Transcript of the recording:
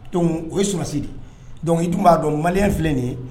Don o ye susi de dɔnkucki dun b'a dɔn mali filɛ nin ye